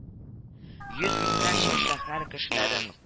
Йөз меңнәрчә шәһәр кешеләрен